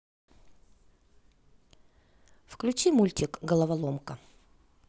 включи мультик головоломка